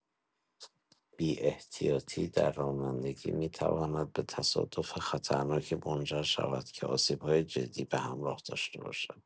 بی‌احتیاطی در رانندگی می‌تواند به تصادف خطرناکی منجر شود که آسیب‌های جدی به همراه داشته باشد.